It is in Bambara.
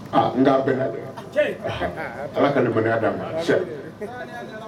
N' bɛɛ ala ka manya d'a ma cɛ